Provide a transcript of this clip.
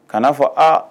Kana'a fɔ aa